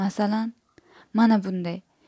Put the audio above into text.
masalan mana bunday